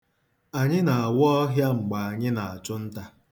Anyị na-awa ọhịa mgbe anyị na-achụ nta.